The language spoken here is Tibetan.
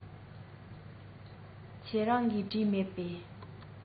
ཁྱེད རང གིས བྲིས མེད པས